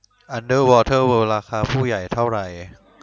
อันเดอร์วอเตอร์เวิล์ดราคาผู้ใหญ่เท่าไหร่